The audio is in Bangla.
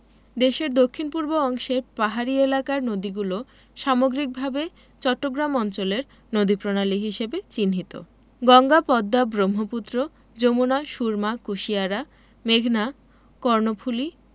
দেশের দক্ষিণ পূর্ব অংশের পাহাড়ী এলাকার নদীগুলো সামগ্রিকভাবে চট্টগ্রাম অঞ্চলের নদীপ্রণালী হিসেবে চিহ্নিত গঙ্গা পদ্মা ব্রহ্মপুত্র যমুনা সুরমা কুশিয়ারা মেঘনা কর্ণফুলি